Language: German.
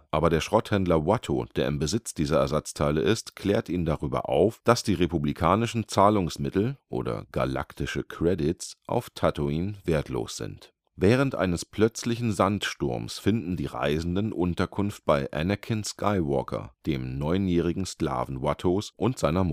aber der Schrotthändler Watto, der im Besitz dieser Ersatzteile ist, klärt ihn darüber auf, dass die republikanischen Zahlungsmittel (Galaktische Credits) auf Tatooine wertlos sind. Während eines plötzlichen Sandsturms finden die Reisenden Unterkunft bei Anakin Skywalker, dem neunjährigen Sklaven Wattos, und seiner